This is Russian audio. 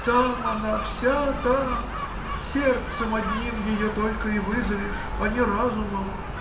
Там она, вся там; сердцем одним ее только и вызовешь, а не разумом.